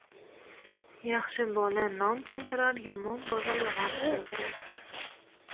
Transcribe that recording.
yaxshi bola nom keltirar yomon bola g'am keltirar